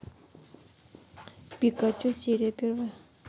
пикачу серия первая